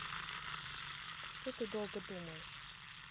что ты долго думаешь